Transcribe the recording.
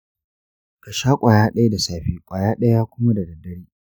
ka sha kwaya daya da safe, kwaya daya kuma da daddare.